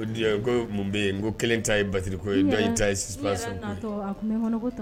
Ko mun bɛ yen n ko kelen ta ye ba ko ta ye si